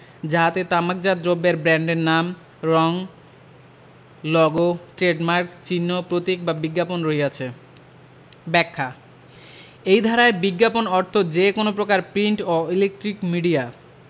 যাহাতে তামাকজাত দ্রব্যের ব্রান্ডের নাম রং লোগো ট্রেডমার্ক চিহ্ন প্রতীক বা বিজ্ঞাপন রহিয়াছে ব্যাখ্যাঃ এই ধারায় বিজ্ঞাপন অর্থ যে কোন প্রকার প্রিন্ট ও ইলেক্ট্রনিক মিডিয়া